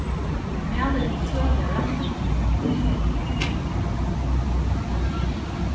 mælir til sølu av rættindum